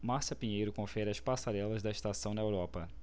márcia pinheiro confere as passarelas da estação na europa